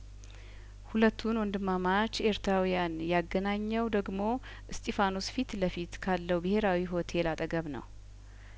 ሁለቱን ወንድማማች ኤርትራዊያን ያገናኘው ደግሞ እስጢፋኖስ ፊት ለፊት ካለው ብሄራዊ ሆቴል አጠገብ ነው